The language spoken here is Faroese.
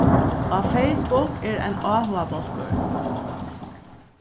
á facebook er ein áhugabólkur